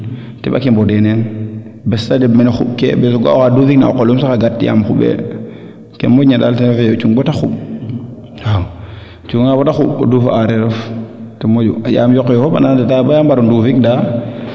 a teɓake mbode neen bess te deɓ mene xuɓ kee bes o ga oxa dufik na o qolum sax gat yaam xuɓee ke moƴna daal ten refu yee o cung bata xuɓ waaw cunga nga bata xuɓ o duuf a areer of ten moƴu yaam yoqe fop ana ndeta baa mbaru ndufik ndaa